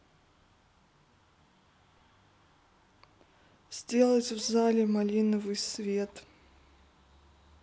сделать в зале малиновый свет